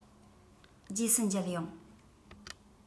རྗེས སུ མཇལ ཡོང